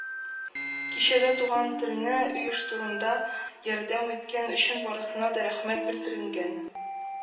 Кичәдә «Туган тел»не оештыруда ярдәм иткән өчен барысына да рәхмәт белдерелгән